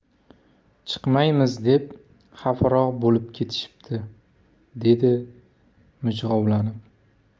chiqmaymiz deb xafaroq bo'lib ketishibdi dedi mijg'ovlanib